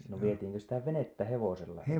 no vietiinkö sitä venettä hevosella